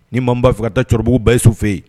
Ni maa min b'a fɛ ka taa cɛrɔbugu Byusu fɛ yen